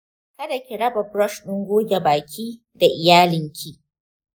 kada ki raba brush ɗin goge baki da iyalanki.